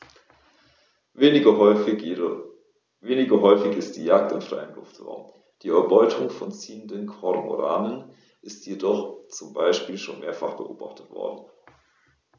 Weniger häufig ist die Jagd im freien Luftraum; die Erbeutung von ziehenden Kormoranen ist jedoch zum Beispiel schon mehrfach beobachtet worden.